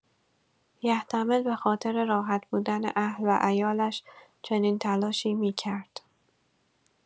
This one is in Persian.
یحتمل به‌خاطر راحت بودن اهل و عیالش چنین تلاشی می‌کرد.